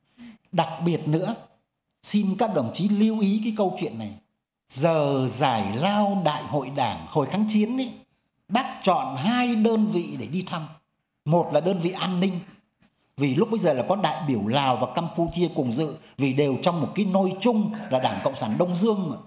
đặc biệt nữa xin các đồng chí lưu ý cái câu chuyện này giờ giải lao đại hội đảng hồi kháng chiến ý bác chọn hai đơn vị để đi thăm một là đơn vị an ninh vì lúc bấy giờ là có đại biểu lào và căm pu chia cùng dự vị đều trong một cái nôi chung là đảng cộng sản đông dương mà